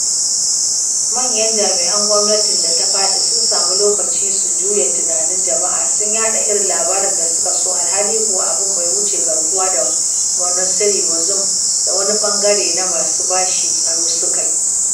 Manyan jami'an gwamnatin da ta fadi sun samu lokaci su juya tunanin jama'a sun yaɗa irin labarin da suke so, alhali kuwa abin bai wuce garkuwa da Monsieur Bazoum da wani bangare na masu bashi tsaro sukai.